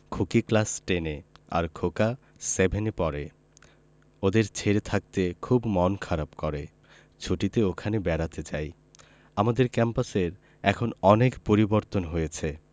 খুকি class ten এ আর খোকা সেভেন এ পড়ে ওদের ছেড়ে থাকতে খুব মন খারাপ করে ছুটিতে ওখানে বেড়াতে যাই আমাদের ক্যাম্পাসের এখন অনেক পরিবর্তন হয়েছে